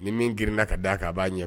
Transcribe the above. Ni min grinna ka da a'a b'a ɲɛ